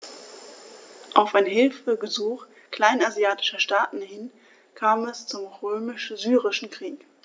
Auf ein Hilfegesuch kleinasiatischer Staaten hin kam es zum Römisch-Syrischen Krieg.